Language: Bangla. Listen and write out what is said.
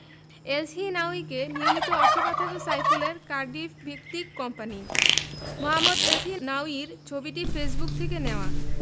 এলসহিনাউয়িকে নিয়মিত অর্থ পাঠাত সাইফুলের কার্ডিফভিত্তিক কোম্পানি মোহাম্মদ এলসহিনাউয়ির ছবিটি ফেসবুক থেকে নেওয়া